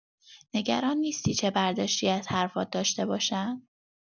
نگران نیستی چه برداشتی از حرف‌هات داشته باشن؟